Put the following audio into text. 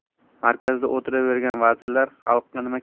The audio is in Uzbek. markazda o'tiravergan vazirlar xalqqa